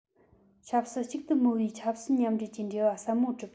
ཆབ སྲིད གཅིག ཏུ མོལ བའི ཆབ སྲིད མཉམ འབྲེལ གྱི འབྲེལ བ ཟབ མོ གྲུབ